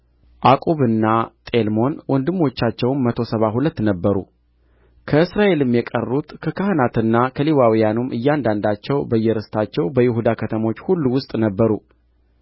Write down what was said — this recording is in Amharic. ዓቁብና ጤልሞን ወንድሞቻቸውም መቶ ሰባ ሁለት ነበሩ ከእስራኤልም የቀሩት ከካህናትና ከሌዋውያንም እያንዳንዳቸው በየርስታቸው በይሁዳ ከተሞች ሁሉ ውስጥ ነበሩ